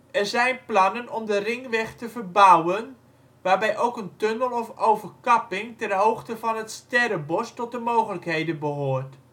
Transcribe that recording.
zijn plannen om de ringweg te verbouwen, waarbij ook een tunnel of overkapping ter hoogte van het Sterrebos tot de mogelijkheden behoort